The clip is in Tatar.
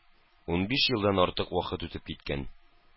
Унбиш елдан артык вакыт үтеп киткән